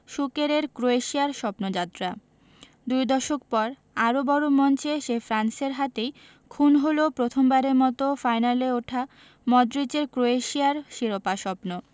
সুকেরের ক্রোয়েশিয়ার স্বপ্নযাত্রা দুই দশক পর আরও বড় মঞ্চে সেই ফ্রান্সের হাতেই খুন হল প্রথমবারের মতো ফাইনালে ওঠা মডরিচের ক্রোয়েশিয়ার শিরোপা স্বপ্ন